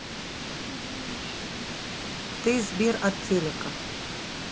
ты сбер от телека